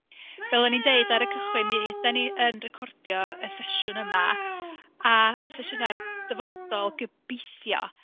Fel o'n i'n deud ar y cychwyn, mi ydan ni yn recordio y sesiwn yma, a sesiynau'r dyfodol gobeithio.